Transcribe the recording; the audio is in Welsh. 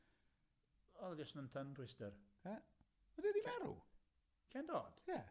O jyst ma'n tongue twister. Yy ydi e 'di marw? Ken Dodd? Ie?